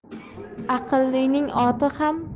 aqllining oti ham